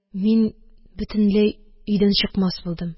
Мин бөтенләй өйдән чыкмас булдым,